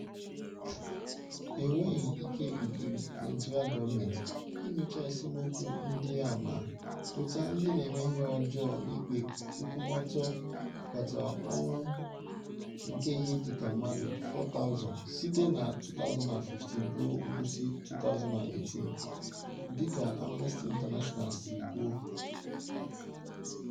Enweghị ike nke gọọmenti Naijirịa inyocha esemokwu ndị a ma "weta ndị na-eme ihe ọjọọ n'ikpe nkwụmọtọ" kpatara ọnwụ nke ihe dịka mmadụ 4,000 site na 2015 ruo ngwụsị 2018, dịka Amnesty International si kwuo.